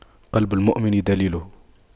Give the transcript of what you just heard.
قلب المؤمن دليله